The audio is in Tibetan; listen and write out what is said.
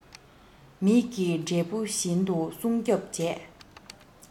མིག གི འབྲས བུ བཞིན དུ སྲུང སྐྱོབ བྱས